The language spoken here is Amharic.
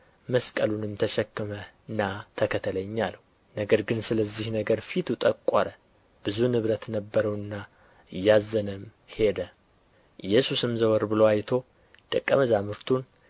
መስቀሉንም ተሸክመህ ና ተከተለኝ አለው ነገር ግን ስለዚህ ነገር ፊቱ ጠቈረ ብዙ ንብረት ነበረውና እያዘነም ሄደ ኢየሱስም ዘወር ብሎ አይቶ ደቀ መዛሙርቱን